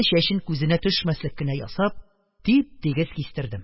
Чәчен күзенә төшмәслек кенә ясап, тип-тигез кистердем.